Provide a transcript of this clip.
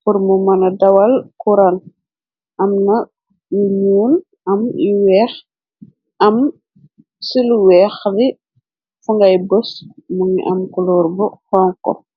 purmu mëna dawal kuran. Am na yu ñuul am yu weex. Am ci lu weex li fu ngay bos mu ngi am kulóor bu xonko.